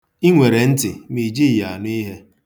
I nwere ntị ma ijighi ya anụ ihe.